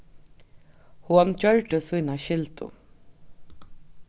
hon gjørdi sína skyldu